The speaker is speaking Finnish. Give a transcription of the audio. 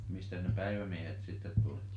mistäs ne päivämiehet sitten tuli